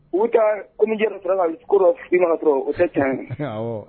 U bɛ taa comédien dɔ srɔ ka ko dɔ fimer_ k'a sɔrɔ o tɛ tiɲɛ ye , awɔ